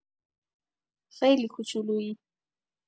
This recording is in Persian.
خیلی کوچولویی